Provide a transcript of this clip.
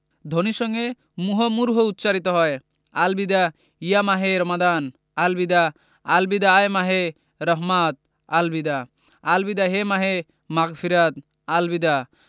ধ্বনির সঙ্গে মুহুর্মুহু উচ্চারিত হয় আল বিদা ইয়া মাহে রমাদান আল বিদা আল বিদা আয় মাহে রহমাত আল বিদা আল বিদা হে মাহে মাগফিরাত আল বিদা